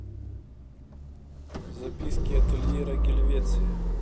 записки отельера гельвеция